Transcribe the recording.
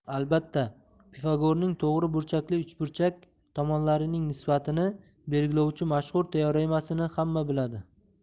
albatta pifagorning to'gri burchakli uchburchak tomonlarining nisbatini belgilovchi mashhur teoremasini hamma biladi